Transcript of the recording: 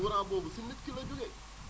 courant boobu si nit ki la jugee